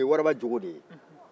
pisiki o ye waraba jogo de ye